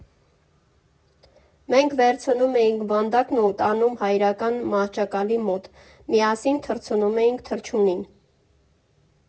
Մենք վերցնում էինք վանդակն ու տանում հայրական մահճակալի մոտ, միասին թռցնում էինք թռչունին.